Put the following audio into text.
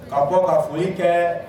Ka bɔ k ka foli kɛ